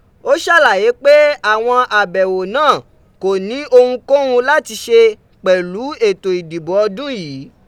O ṣalaye pe awọn àbẹ̀wò naa ko ni ohunkohun lati ṣe pẹlu eto idibo ọdun yìí.